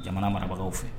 Jamana marabagaw fɛ